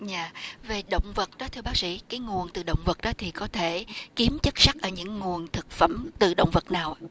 dạ về động vật đó thưa bác sĩ cái nguồn từ động vật đó thì có thể kiếm chất sắt ở những nguồn thực phẩm từ động vật nào ạ